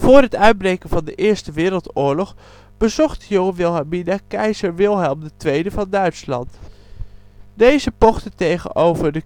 het uitbreken van de Eerste Wereldoorlog bezocht de jonge Wilhelmina keizer Wilhelm II van Duitsland. Deze pochte tegenover de